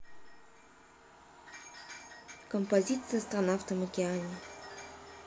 композиция астронавтом океане